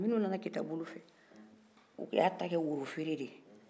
minun nana kita bolo fɛ o tun y'a ta kɛ woro feere de ye